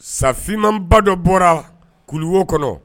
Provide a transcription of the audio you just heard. Sa finman ba dɔ bɔra kuluwo kɔnɔ.